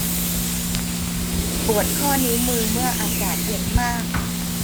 ปวดข้อนิ้วมือเมื่ออากาศเย็นมาก